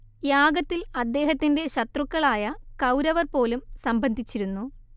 യാഗത്തിൽ അദ്ദേഹത്തിന്റെ ശത്രുക്കളായ കൌരവർ പോലും സംബന്ധിച്ചിരുന്നു